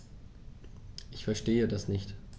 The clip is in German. Ich verstehe das nicht.